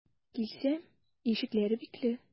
Килсәм, ишекләре бикле.